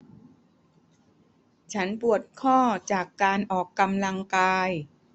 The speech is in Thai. ฉันปวดข้อจากการออกกำลังกาย